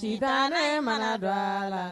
Si kana ne mana don la